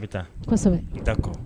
I bɛ taa kɔ